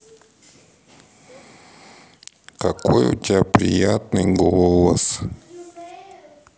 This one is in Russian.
какой у тебя приятный голос